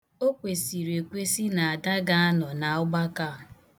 O kwesiri ekwesi na Ada ga-anọ n'ọgbakọ a.